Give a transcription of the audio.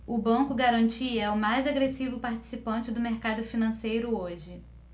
o banco garantia é o mais agressivo participante do mercado financeiro hoje